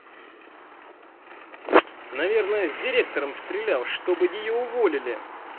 наверное с директором стрелял чтобы ее уволили